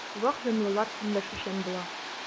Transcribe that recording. Вак җанлылар көнләшүчән була.